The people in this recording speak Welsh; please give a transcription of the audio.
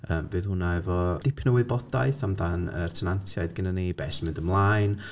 Yym, fydd hwnna efo dipyn o wybodaeth amdan yr tenantiaid gennyn ni, be sy'n mynd ymlaen...